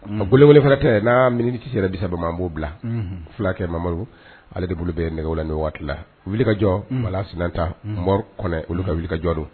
A boloele fana tɛ n'a mini kisɛ disa saba n b'o bila filakɛ mamadu ale de bolo bɛ nɛgɛla ni waati la wuli ka jɔ bala sin ta kɔnɔ olu ka wuli kajɔ don